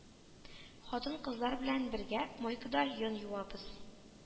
Хатын-кызлар белән бергә мойкада йон юабыз.